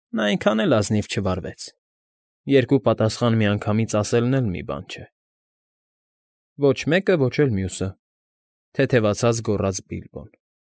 Նա այնքան էլ ազնիվ չվարվեց. երկու պատասխան միանգամից ասելն էլ մի բան չէ։ ֊ Ոչ մեկը, ոչ էլ մյուսը,֊ թեթևացած գոռաց Բիլբոն։